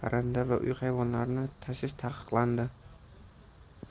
parranda va uy hayvonlarini tashish taqiqlandi